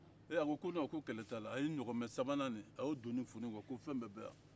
a ko ee ayi kɛlɛ t'a la a ye ɲaamɛ sabanan nin fɔnin ko fɛn bɛɛ bɛ yan